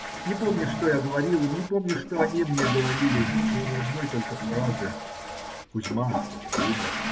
Не помню, что я говорил им, не помню, что они мне говорили, кроме одной только фразы "Кузьма умер".